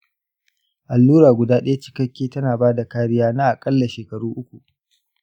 allura guda ɗaya cikakke tana ba da kariya na aƙalla shekaru uku.